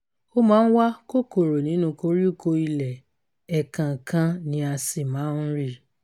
Ó máa ń wá kòkòrò nínú koríko ilẹ̀, ẹ̀kànànkan ni a sì máa ń rí i.